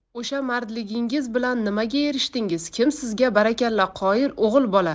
o'sha mardligingiz bilan nimaga erishdingiz kim sizga barakalla qoyil o'g'il bola